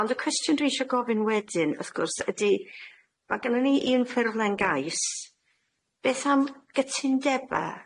Ond y cwestiwn dwi isie gofyn wedyn wrth gwrs ydi, ma' gynnon ni un ffurflen gais beth am gytundeba?